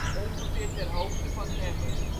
ongeveer ter hoogte van Hemmen